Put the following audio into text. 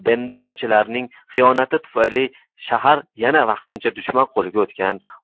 benderachilarning xiyonati tufayli shahar yana vaqtincha dushman qo'liga o'tgan